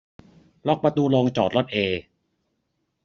ล็อกประตูโรงจอดรถเอ